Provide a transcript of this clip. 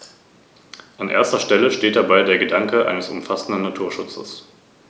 Der Nacken ist goldgelb.